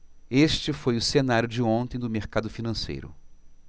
este foi o cenário de ontem do mercado financeiro